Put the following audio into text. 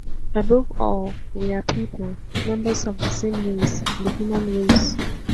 Above all, we are people, members of the same race, the human race.